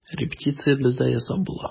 Репетиция бездә ясап була.